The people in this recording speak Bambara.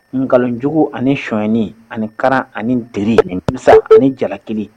N nkalonjugu ani sonyi ani kalan ani teri nimisa ani jalaki